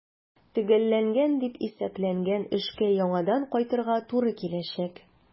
Төгәлләнгән дип исәпләнгән эшкә яңадан кайтырга туры киләчәк.